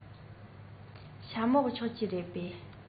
ཤ མོག མཆོད ཀྱི རེད པས